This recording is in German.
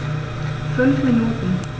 5 Minuten